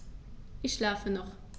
Ich schlafe noch.